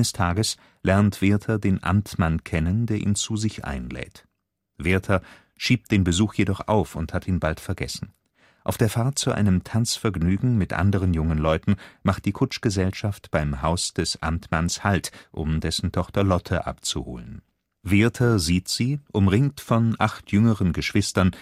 Tages lernt Werther den Amtmann kennen, der ihn zu sich einlädt. Werther schiebt den Besuch jedoch auf und hat ihn bald vergessen. Auf der Fahrt zu einem Tanzvergnügen mit anderen jungen Leuten macht die Kutschgesellschaft beim Haus des Amtmanns Halt, um dessen Tochter Lotte abzuholen. Werther sieht sie, umringt von acht jüngeren Geschwistern